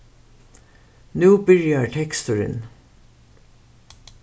nú byrjar teksturin